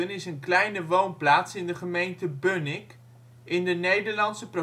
is een kleine woonplaats in de gemeente Bunnik, in de Nederlandse